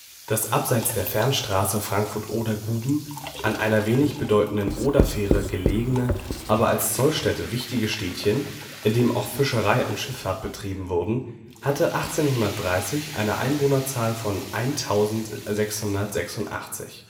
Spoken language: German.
Das abseits der Fernstraße Frankfurt (Oder) – Guben an einer wenig bedeutenden Oderfähre gelegene, aber als Zollstätte wichtige Städtchen, in dem auch Fischerei und Schifffahrt betrieben wurden, hatte 1830 eine Einwohnerzahl von 1.686